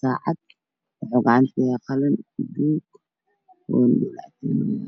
saacad. Waxuu gacanta kuhayaa qalin buluug ah.